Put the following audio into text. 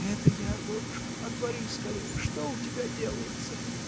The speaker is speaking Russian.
— Это я, Борюшка, отвори скорее! Что у тебя делается?